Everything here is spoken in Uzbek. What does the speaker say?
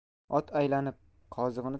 ot aylanib qozig'ini